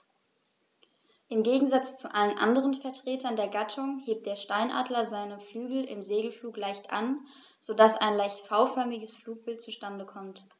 Im Gegensatz zu allen anderen Vertretern der Gattung hebt der Steinadler seine Flügel im Segelflug leicht an, so dass ein leicht V-förmiges Flugbild zustande kommt.